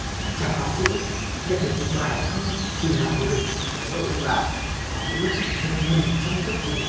chàng họa sĩ nhận được một bài thơ từ nàng phù thủy có nội dung là có những lúc giật mình trong giấc ngủ